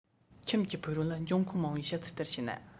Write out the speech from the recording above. ཁྱིམ གྱི ཕུག རོན ལ འབྱུང ཁུངས མང པའི བཤད ཚུལ ལྟར བྱས ན